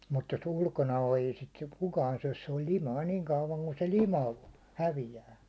mutta jos ulkona on ei sitä kukaan syö se on limainen niin kauan kuin se lima häviää